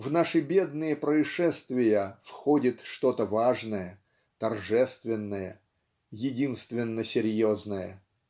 в наши бедные происшествия входит что-то важное торжественное единственно серьезное.